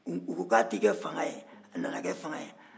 u ko k'a tɛ kɛ faama ye a nana k'a ye